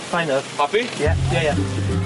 Kind of. Happy? Ie ie ie.